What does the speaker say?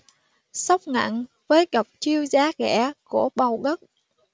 sốc nặng với độc chiêu giá rẻ của bầu đức